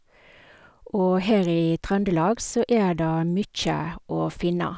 Og her i Trøndelag så er det mye å finne.